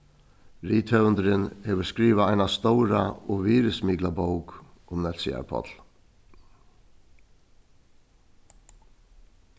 rithøvundurin hevur skrivað eina stóra og virðismikla bók um nólsoyar páll